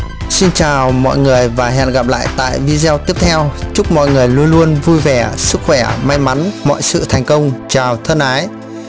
xin chào mọi người và hẹn gặp lại tại video tiếp theo chúc mọi người luôn luôn vui vẻ sức khỏe may mắn mọi sự thành công chào thân ái